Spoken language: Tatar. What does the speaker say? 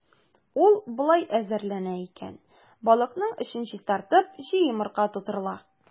Ул болай әзерләнә икән: балыкның эчен чистартып, чи йомырка тутырыла.